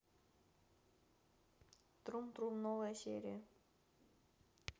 трум трум новая серия